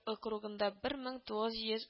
Округында бер мең тугыз йөз